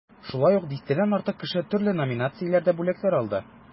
Шулай ук дистәдән артык кеше төрле номинацияләрдә бүләкләр алды.